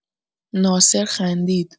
ناصر خندید.